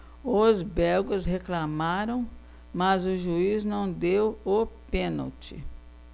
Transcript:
os belgas reclamaram mas o juiz não deu o pênalti